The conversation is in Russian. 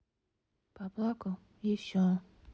поплакала и все